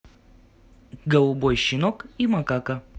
голубой щенок и макака